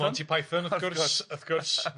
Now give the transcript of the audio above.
Monty Python, wrth gwrs wrth gwrs.